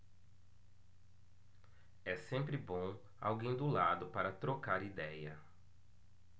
é sempre bom alguém do lado para trocar idéia